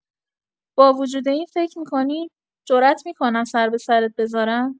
باوجود این فکر می‌کنی جرات می‌کنم سربه سرت بذارم؟